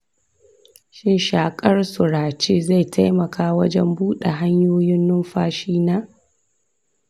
shin shakar surace zai taimaka wajen buɗe hanyoyin numfashina?